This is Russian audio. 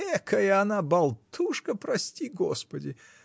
-- Экая она болтушка, прости господи!